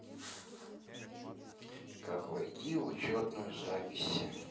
как войти в учетную запись